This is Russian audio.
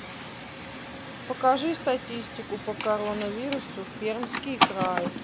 покажи статистику по коронавирусу пермский край